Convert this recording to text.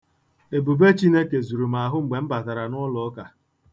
Ebube Chineke zuru m ahụ mgbe batara n'ụlọụka.